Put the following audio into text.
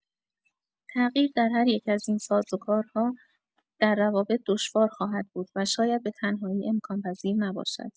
تغییر در هر یک از این سازوکارها در روابط دشوار خواهد بود و شاید به‌تنهایی امکان‌پذیر نباشد.